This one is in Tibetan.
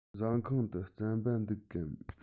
ཟ ཁང དུ རྩམ པ འདུག གམ